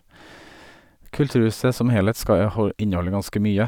Kulturhuset som helhet skal jo hå inneholde ganske mye.